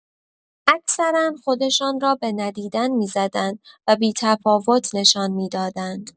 اکثرا خودشان را به ندیدن می‌زدند و بی‌تفاوت نشان می‌دادند.